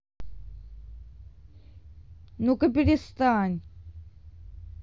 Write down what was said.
ну ка перестань